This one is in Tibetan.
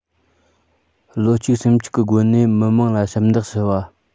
བློ གཅིག སེམས གཅིག གི སྒོ ནས མི དམངས ལ ཞབས འདེགས ཞུ བ